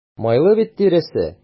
Майлы бит тиресе.